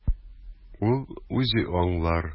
Ул үзе аңлар.